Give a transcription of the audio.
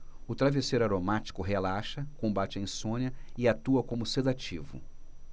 o travesseiro aromático relaxa combate a insônia e atua como sedativo